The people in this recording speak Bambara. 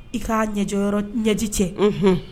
I ka ɲɛjyɔrɔ ɲɛji cɛ